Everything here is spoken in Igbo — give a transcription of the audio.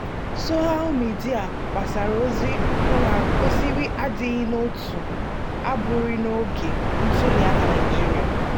Soshal midịa gbasara ozi ụgha gosiri adịghị n'otu agbụrụ n'oge ntuliaka Naịjirịa.